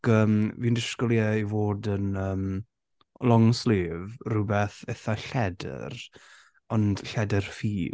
Ac yym fi'n disgwyl i e fod yn yym long sleeve rhywbeth eitha lledr. Ond lledr ffu...